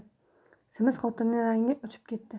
semiz xotinning rangi o'chib ketdi